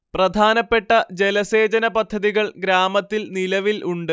പ്രധാനപ്പെട്ട ജലസേചന പദ്ധതികൾ ഗ്രാമത്തിൽ നിലവിൽ ഉണ്ട്